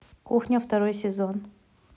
кухня второй сезон